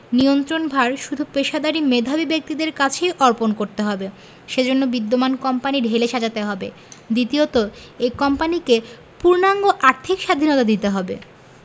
নিয়ন্ত্রণভার শুধু পেশাদারি মেধাবী ব্যক্তিদের কাছেই অর্পণ করতে হবে সে জন্য বিদ্যমান কোম্পানি ঢেলে সাজাতে হবে দ্বিতীয়ত এই কোম্পানিকে পূর্ণাঙ্গ আর্থিক স্বাধীনতা দিতে হবে